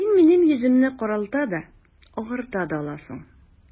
Син минем йөземне каралта да, агарта да аласың...